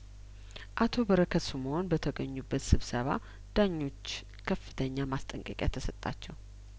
አቶ በረከት ስምኦን በተገኙበት ስብሰባ ዳኞች ከፍተኛ ማስጠንቀቂያ ተሰጣቸው